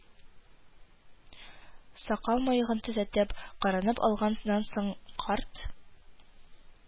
Сакал-мыегын төзәтеп, кырынып алганнан соң, карт